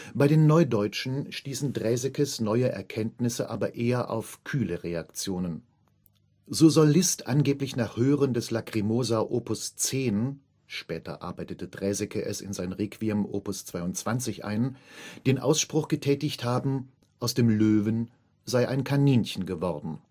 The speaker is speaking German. Bei den Neudeutschen stießen Draesekes neue Erkenntnisse aber eher auf kühle Reaktionen. So soll Liszt angeblich nach Hören des Lacrimosa op. 10 (später arbeitete Draeseke es in sein Requiem op. 22 ein) den Ausspruch getätigt haben, aus dem Löwen sei ein Kaninchen geworden